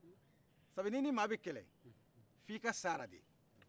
sabu nini mɔgɔ bɛ kɛlɛ f'i ka s'ala de